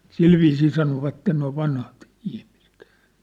- sillä viisiin sanovat nuo vanhat ihmiset